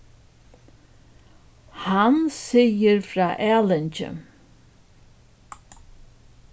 hann sigur frá ælingi